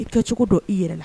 I kɛ cogo dɔ i yɛrɛ la